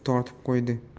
uf tortib qo'ydi